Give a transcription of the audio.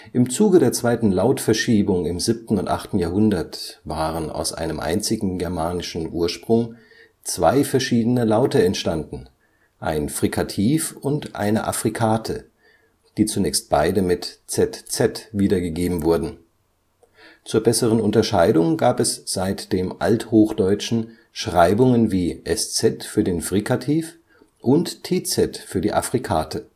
Im Zuge der Zweiten Lautverschiebung im 7. und 8. Jahrhundert waren aus germanischem ​/⁠t⁠/​ und / tː / zwei verschiedene Laute entstanden – ein Frikativ und eine Affrikate –, die zunächst beide mit zz wiedergegeben wurden. Zur besseren Unterscheidung gab es seit dem Althochdeutschen Schreibungen wie sz für den Frikativ und tz für die Affrikate